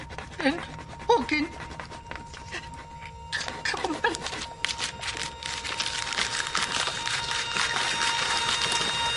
Yr hogyn come on then.